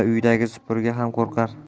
uyidagi supurgi ham qo'rqar